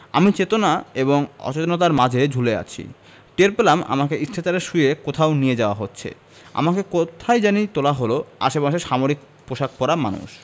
আমি চেতনা এবং অচেতনার মাঝে ঝুলে আছি টের পেলাম আমাকে স্ট্রেচারে শুইয়ে কোথাও নিয়ে যাওয়া হচ্ছে আমাকে কোথায় জানি তোলা হলো আশেপাশে সামরিক পোশাক পরা মানুষ